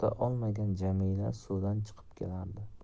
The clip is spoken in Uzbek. olmagan jamila suvdan chiqib kelardi